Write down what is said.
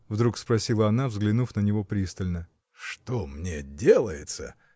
— вдруг спросила она, взглянув на него пристально. — Что мне делается!